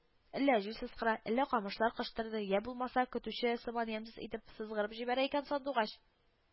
Әллә җил сызгыра, әллә камышлар кыштырдый, йә булмаса, көтүче сыман ямьсез итеп сызгырып җибәрә икән сандугач